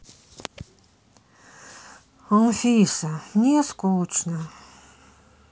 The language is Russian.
анфиса мне скучно